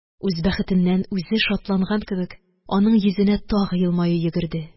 Үз бәхетеннән үзе шатланган кебек, аның йөзенә тагы елмаю йөгерде